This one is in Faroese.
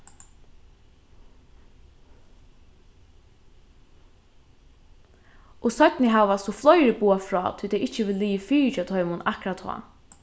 og seinni hava so fleiri boðað frá tí tað ikki hevur ligið fyri hjá teimum akkurát tá